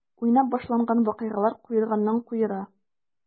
Уйнап башланган вакыйгалар куерганнан-куера.